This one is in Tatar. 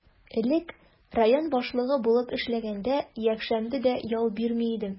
Элек район башлыгы булып эшләгәндә, якшәмбе дә ял бирми идем.